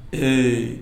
Ee